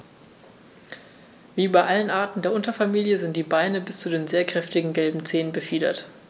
Wie bei allen Arten der Unterfamilie sind die Beine bis zu den sehr kräftigen gelben Zehen befiedert.